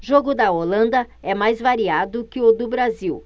jogo da holanda é mais variado que o do brasil